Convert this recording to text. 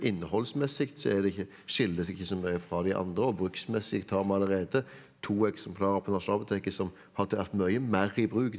innholdsmessig så er det skiller det seg ikke så mye fra de andre og bruksmessig har vi allerede to eksemplar på Nasjonalbiblioteket som har vært mye mer i bruk.